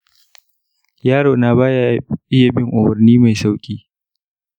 yarona ba ya iya bin umarni mai sauƙi.